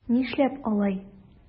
Нишләп алай?